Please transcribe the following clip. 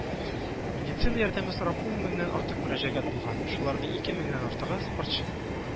Медицина ярдәме сорап ун меңнән артык мөрәҗәгать булган, шуларның ике меңнән артыгы - спортчы.